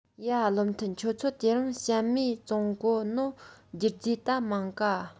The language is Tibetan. ཡ བློ མཐུན ཁྱོད ཚོ དེ རིང བཤམས མས བཙོང གོ ནོ རྒྱུ རྫས ད མང ག